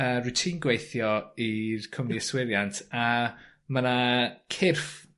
e rwt ti'n gweithio i'r cwmni yswiriant a ma' 'na cyrff